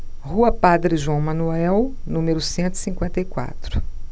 rua padre joão manuel número cento e cinquenta e quatro